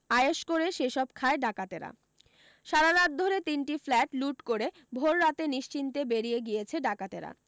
আয়েশ করে সে সব খায় ডাকাতেরা সারারাত ধরে তিনটি ফ্ল্যাট লুঠ করে ভোররাতে নিশ্চিন্তে বেরিয়ে গিয়েছে ডাকাতেরা